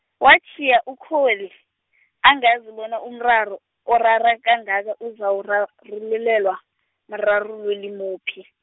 watjhiya Ukholi, angazi bona umraro orara kangaka uzawurarululelwa mrarululi muphi.